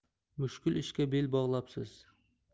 mushkul ishga bel bog'labsiz